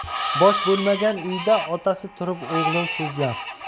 bosh bo'lmagan uyda otasi turib o'g'li so'zlar